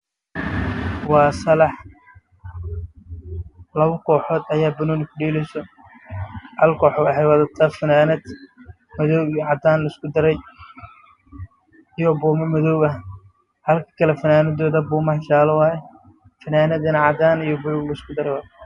Waa salax ay labo kooxood ay ku dheeleyso